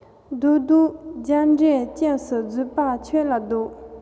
བཟློག བཟློག རྒྱ འདྲེ སྐྱེམས སུ བརྫུས པ ཁྱོད ལ བཟློག